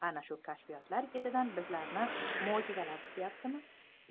ana shu kashfiyotlar ketidan bizlarni mo'jizalar kutayaptimi